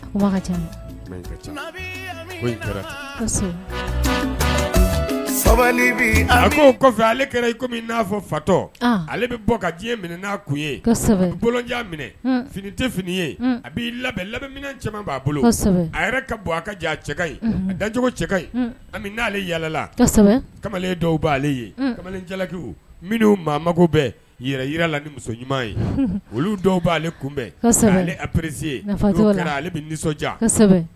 Sabali ale na fɔ fatɔ ale bɛ bɔ ka diɲɛ minɛ n'a kun ye minɛ fini tɛ fini ye a' labɛnmina caman b'a bolo a yɛrɛ ka bɔ a ka janka a dacogo cɛka n'ale yalala kamalen dɔw'ale ye kamalen jalaki minnu maa mako bɛɛ yɛrɛ yira la ni muso ɲuman ye olu dɔw b'ale kunbɛnprezsi ale nisɔndiya